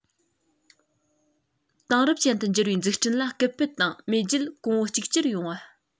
དེང རབས ཅན དུ འགྱུར བའི འཛུགས སྐྲུན ལ སྐུལ སྤེལ དང མེས རྒྱལ གོང བུ གཅིག གྱུར ཡོང བ